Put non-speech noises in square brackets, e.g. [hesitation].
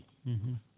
[hesitation] [hesitation]